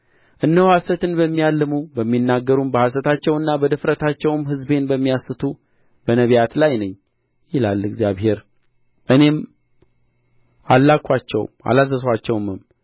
እነሆ ሐሰትን በሚያልሙ በሚናገሩም በሐሰታቸውና በድፍረታቸውም ሕዝቤን በሚያስቱ በነቢያት ላይ ነኝ ይላል እግዚአብሔር እኔም አልላክኋቸውም አላዘዝኋቸውምም